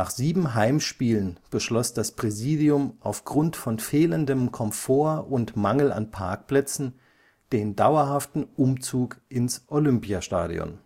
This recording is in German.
sieben Heimspielen beschloss das Präsidium aufgrund von fehlendem Komfort und Mangel an Parkplätzen den dauerhaften Umzug ins Olympiastadion